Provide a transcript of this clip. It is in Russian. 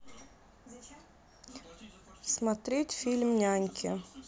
смотреть фильм няньки